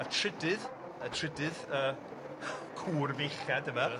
A'r trydydd y trydydd yy Cŵr feichiad yma yy